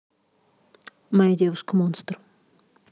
моя девушка монстр